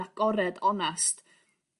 yn agored onast.